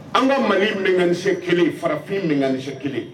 An ka mali mɛnga nise kelen farafin mɛnga nikisɛ kelen